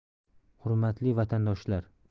hurmatli vatandoshlar